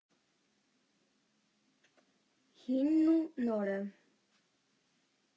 Հինն ու նորը։